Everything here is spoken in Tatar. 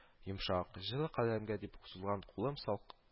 Йомшак, җылы келәмгә дип сузылган кулым сал